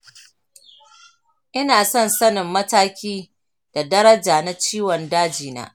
ina son sanin mataki da daraja na ciwon dajina.